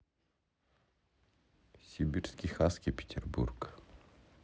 сибирский хаски петербург